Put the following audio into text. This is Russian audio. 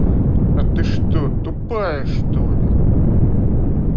а ты что тупая что ли